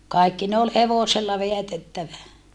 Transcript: kaikki ne oli hevosella vedätettävä